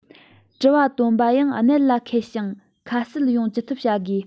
དྲི བ བཏོན པ ཡང གནད ལ འཁེལ ཞིང ཁ གསལ ཡོང ཅི ཐུབ བྱ དགོས